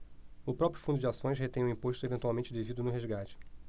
o próprio fundo de ações retém o imposto eventualmente devido no resgate